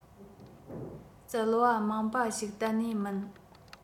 བཙལ བ མང བ ཞིག གཏན ནས མིན